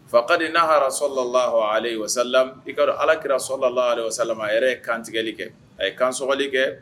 Fatadi n'ahara solala h ale wa i ka alakira solalare sala a yɛrɛ ye kantigɛli kɛ a ye kansoli kɛ